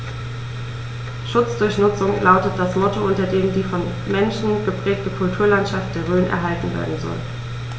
„Schutz durch Nutzung“ lautet das Motto, unter dem die vom Menschen geprägte Kulturlandschaft der Rhön erhalten werden soll.